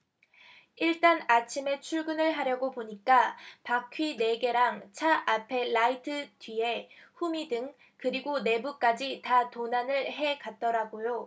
일단 아침에 출근을 하려고 보니까 바퀴 네 개랑 차 앞에 라이트 뒤에 후미등 그리고 내부까지 다 도난을 해 갔더라고요